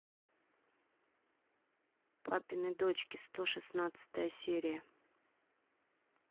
папины дочки сто шестнадцатая серия